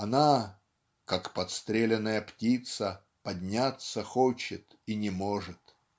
она, "как подстреленная птица, подняться хочет и не может".